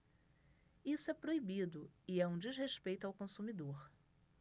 isso é proibido e é um desrespeito ao consumidor